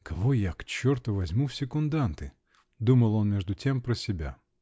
("Кого я, к черту, возьму в секунданты?" -- думал он между тем про себя.